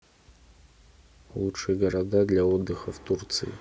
лучшие города для отдыха в турции